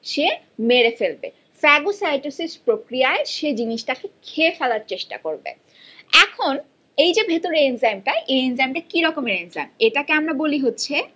সে মেরে ফেলবে ফ্যাগোসাইটোসিস প্রক্রিয়ায় সে জিনিসটা কে খেয়ে ফেলার চেষ্টা করবে এখন এ যে ভেতরে এনজাইমটি এনজাইমটা কিরকমের এনজাইম এটা কে আমরা বলি হচ্ছে